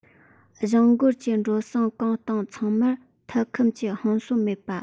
གཞུང སྒེར གྱི འགྲོ སོང གང བཏང ཚང མར ཐལ འཁུམས ཀྱི ཧང ཟོམ མེད པ